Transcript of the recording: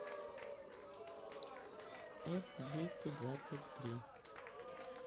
с двести двадцать три